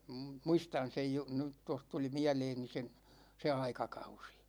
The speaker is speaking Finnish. muistan sen - nyt tuossa tuli mieleeni se se aikakausi